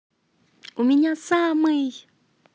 у меня самый